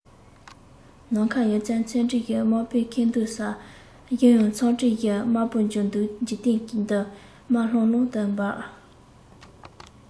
ནམ མཁའ ཡོད ཚད མཚམས སྤྲིན དམར པོའི ཁེངས འདུག ས གཞི ཡང མཚམས སྤྲིན བཞིན དམར པོ གྱུར འདུག འཇིག རྟེན འདི དམར ལྷང ལྷང དུ འབར